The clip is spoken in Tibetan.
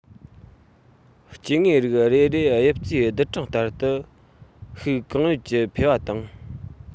སྐྱེ དངོས རིགས རེ རེ དབྱིབས རྩིས བསྡུར གྲངས ལྟར ཏུ ཤུགས གང ཡོད ཀྱིས འཕེལ བ དང